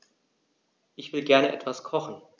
Ich will gerne etwas kochen.